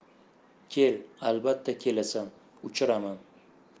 kel albatta kelasan uchiraman